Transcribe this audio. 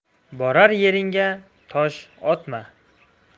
borar yeringga tosh otma